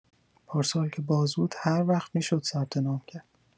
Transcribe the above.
پارسال که باز بود هروقت می‌شد ثبت‌نام کرد